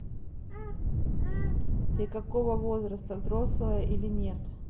ты какого возраста взрослая или нет